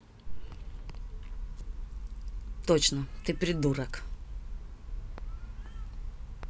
точно ты придурок